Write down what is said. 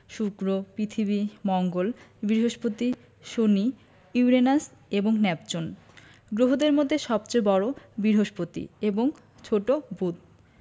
শুক্র পৃথিবী মঙ্গল বৃহস্পতি শনি ইউরেনাস এবং নেপচুন গ্রহদের মধ্যে সবচেয়ে বড় বৃহস্পতি এবং ছোট বুধ